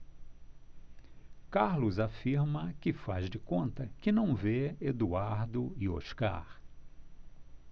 carlos afirma que faz de conta que não vê eduardo e oscar